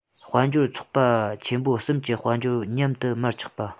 དཔལ འབྱོར ཚོགས པ ཆེན པོ གསུམ གྱི དཔལ འབྱོར མཉམ དུ མར ཆག པ